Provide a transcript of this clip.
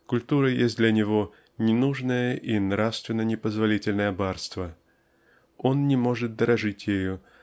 культура есть для него ненужное и нравственно непозволительное барство он не может дорожить ею